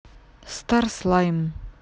стар слайм